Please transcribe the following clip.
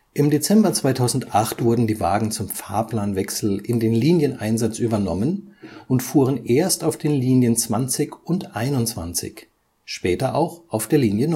Im Dezember 2008 wurden die Wagen zum Fahrplanwechsel in den Linieneinsatz übernommen und fuhren erst auf den Linien 20 und 21, später auch auf der Linie